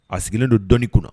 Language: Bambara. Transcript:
A sigilen don dɔni kunna